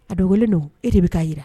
A dɔgɔlen don, e de bɛ ka jira.